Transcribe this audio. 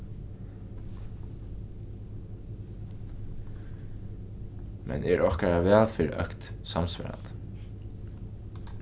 men er okkara vælferð økt samsvarandi